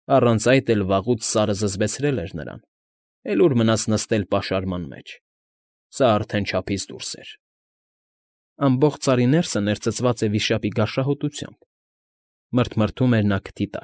Առանց այդ էլ վաղուց Սարը զզվեցրել էր նրան, էլ ուր մնաց նստել պաշարման մեջ… Սա արդեն չափից դուրս էր… «Ամբողջ Սարի ներսը ներծծված է վիշապի գարշահոտությամբ,֊ մռթմռթում էր նա քթի։